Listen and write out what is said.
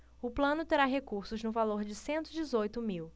o plano terá recursos no valor de cento e dezoito mil